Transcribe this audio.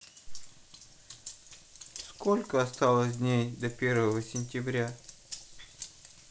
сколько осталось дней до первого сентября